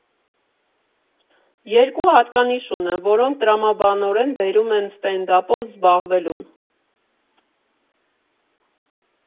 Երկու հատկանիշ ունեմ, որոնք տրամաբանորեն բերում են ստենդափով զբաղվելուն։